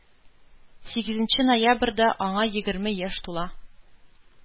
Сигезенче ноябрьдә аңа егерме яшь тула.